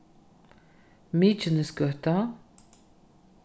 mykinesgøta